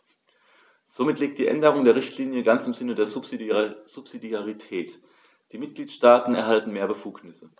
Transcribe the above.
Somit liegt die Änderung der Richtlinie ganz im Sinne der Subsidiarität; die Mitgliedstaaten erhalten mehr Befugnisse.